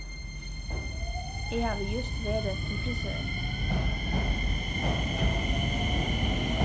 eg havi júst verið til frisør